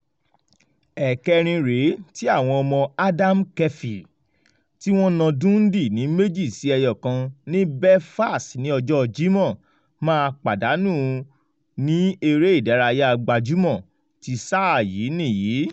Ẹ̀kẹ́rin rèé tí àwọn ọmọ Adam Kefee, tí wọ́n na Dundee ní 2 sí 1 ní Belfast ní ọjọ́ Jímọ̀, máa pàdánù ní Eré-ìdárayá Gbajúmọ̀ ti sáà yí nìyí.